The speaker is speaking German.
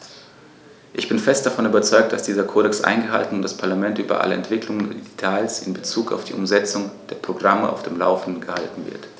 Ich bin fest davon überzeugt, dass dieser Kodex eingehalten und das Parlament über alle Entwicklungen und Details in bezug auf die Umsetzung der Programme auf dem laufenden gehalten wird.